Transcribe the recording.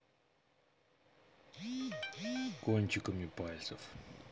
кончиками пальцев